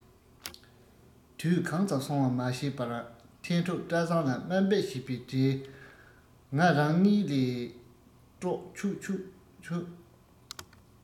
དུས གང ཙམ སོང བ མ ཤེས པར ཐན ཕྲུག བཀྲ བཟང ལ དམའ འབེབས བྱེད པའི སྒྲས ང རང གཉིད ལས དཀྲོགས ཁྱོད ཁྱོད ཁྱོད